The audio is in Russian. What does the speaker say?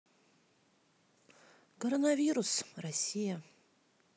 коронавирус россия